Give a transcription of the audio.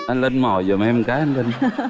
anh linh mò dùm em cái anh linh